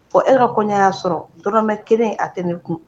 O e ka kɔɲɔ y'a sɔrɔ dɔrɔmɛ kelen a tɛ ne kun